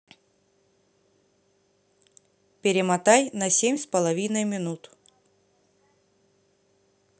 перемотай на семь с половиной минут